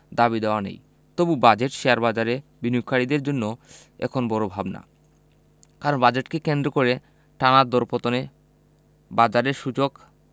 দাবিদাওয়া নেই তবু বাজেট শেয়ারবাজারে বিনিয়োগকারীদের জন্য এখন বড় ভাবনা কারণ বাজেটকে কেন্দ্র করে টানা দরপতনে বাজারের সূচক